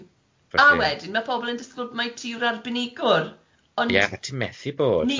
A wedyn ma' pobl yn disgwl mai ti yw'r arbenigwr, ond Ie, ti methu bod na.